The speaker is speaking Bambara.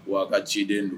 Wa a ka ciden don